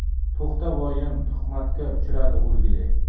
to'xtavoyim tuhmatga uchradi o'rgilay